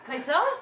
Croeso.